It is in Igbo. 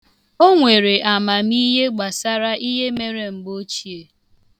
O nwere amamihe gbasara ihe mere mgbe ochie.